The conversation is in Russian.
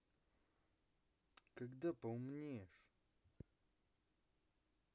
когда поумнеешь